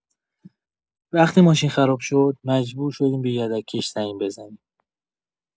وقتی ماشین خراب شد، مجبور شدیم به یدک‌کش زنگ بزنیم.